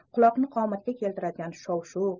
quloqni qomatga keltiradigan shov shuv